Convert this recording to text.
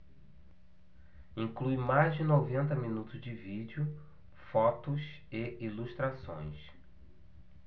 inclui mais de noventa minutos de vídeo fotos e ilustrações